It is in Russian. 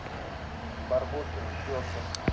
барбоскины щетка